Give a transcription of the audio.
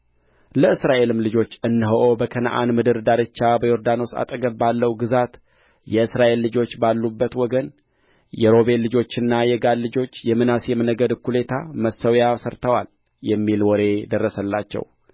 ለእስራኤልም ልጆች እነሆ በከነዓን ምድር ዳርቻ በዮርዳኖስ አጠገብ ባለው ግዛት የእስራኤል ልጆች ባሉበት ወገን የሮቤል ልጆችና የጋድ ልጆች የምናሴም ነገድ እኩሌታ መሠዊያ ሠርተዋል የሚል ወሬ ደረሰላቸው